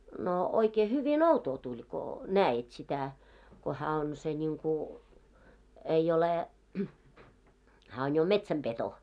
no oikein hyvin outoa tuli kun näit sitä kun hän on se niin kuin ei ole hän on jo metsänpeto oikein